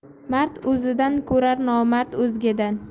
mard o'zidan ko'rar nomard o'zgadan